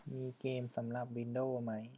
มีเกมสำหรับวินโดวส์ไหม